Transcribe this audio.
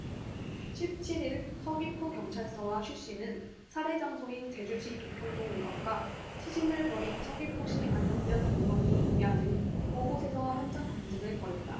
십 칠 일 서귀포경찰서와 쉬씨는 살해 장소인 제주시 도평동 외곽과 시신을 버린 서귀포시 안덕면 동광리 임야 등 오 곳에서 현장검증을 벌였다